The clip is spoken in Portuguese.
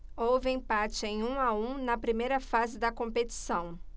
houve empate em um a um na primeira fase da competição